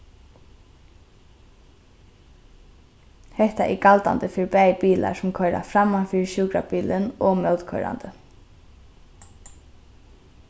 hetta er galdandi fyri bæði bilar sum koyra framman fyri sjúkrabilin og mótkoyrandi